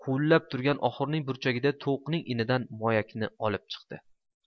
huvillab turgan oxurning burchagidagi tovuqning inidan moyakni olib chiqdi